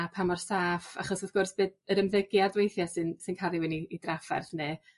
a pa mor saff... Achos wrth gwrs be- yr ymddygiad weithia' sy'n sy'n ca'l ni mewn i i drafferth ne'